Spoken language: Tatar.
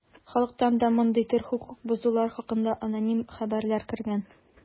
Халыктан да мондый төр хокук бозулар хакында аноним хәбәрләр кергән.